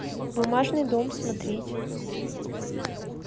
бумажный дом смотреть